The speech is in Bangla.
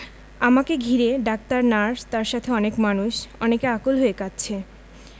আমাকে ঘিরে ডাক্তার নার্স তার সাথে অনেক মানুষ অনেকে আকুল হয়ে কাঁদছে